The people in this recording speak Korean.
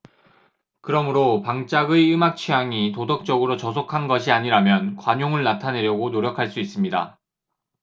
그러므로 방짝의 음악 취향이 도덕적으로 저속한 것이 아니라면 관용을 나타내려고 노력할 수 있습니다